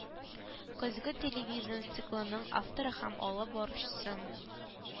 Көзге телевизон циклының авторы да һәм алып баручысы